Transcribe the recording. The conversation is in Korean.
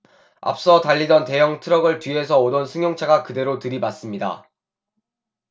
앞서 달리던 대형 트럭을 뒤에서 오던 승용차가 그대로 들이받습니다